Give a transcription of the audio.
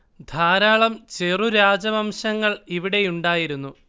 ധാരാളം ചെറു രാജ വംശങ്ങൾ ഇവിടെയുണ്ടായിരുന്നു